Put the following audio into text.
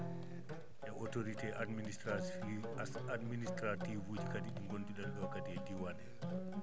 e autorité administrasive administrative uji kadi ɓe ngonnduɗen ɗo kadi e diwaan hee